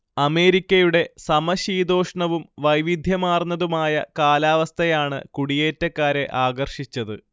അമേരിക്കയുടെ സമശീതോഷ്ണവും വൈവിധ്യമാർന്നതുമായ കാലവസ്ഥയാണ് കൂടിയേറ്റക്കാരെ ആകർഷിച്ചത്